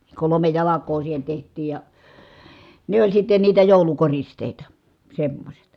kolme jalkaa siihen tehtiin ja ne oli sitten niitä joulukoristeita semmoiset